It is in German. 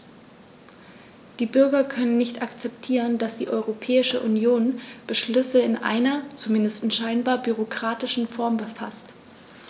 Die Bürger können nicht akzeptieren, dass die Europäische Union Beschlüsse in einer, zumindest scheinbar, bürokratischen Form faßt.